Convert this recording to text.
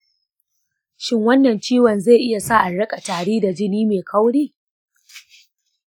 shin wannan ciwon zai iya sa in riƙa tari da jini mai kauri?